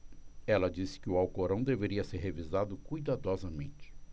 ela disse que o alcorão deveria ser revisado cuidadosamente